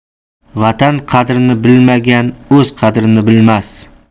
vatan qadrini bilmagan o'z qadrini bilmas